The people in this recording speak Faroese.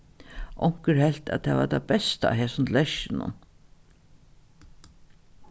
onkur helt at tað var tað besta á hesum tallerkinum